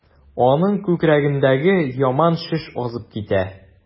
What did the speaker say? Аның күкрәгендәге яман шеш азып китә.